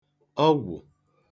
ọgwụ̀